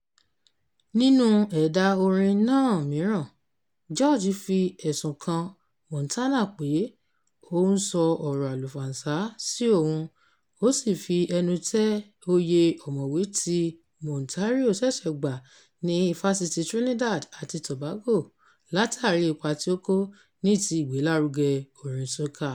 Nínú ẹ̀dà orin náà mìíràn , George fi ẹ̀sùn kan Montana pé ó ń "sọ ọ̀rọ̀ àlùfànṣá" sí òun, ó sì fi ẹnu tẹ́ oyè ọ̀mọ̀wé tí Montano ṣẹ̀ṣẹ̀ gbà ní Ifásitì Trinidad àti Tobago látàrí ipa tí ó kó ní ti ìgbélárugẹ orin soca.